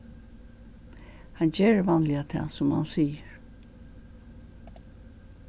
hann ger vanliga tað sum hann sigur